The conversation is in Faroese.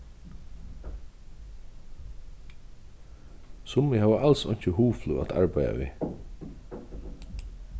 summi hava als einki hugflog at arbeiða við